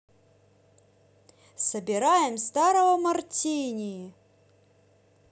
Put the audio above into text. собираем старого мартини